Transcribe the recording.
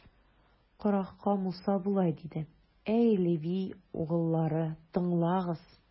Корахка Муса болай диде: Әй Леви угыллары, тыңлагыз!